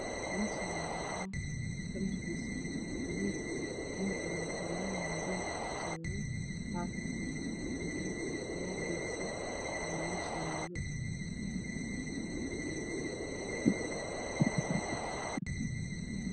Meshani waa boor kalarkis waa gaduud nin ayaa tagan mobele korsaran bakad ayow gacanta kuwata labo besso aya mesha yalo